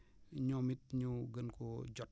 ñoom it ñu gën koo jot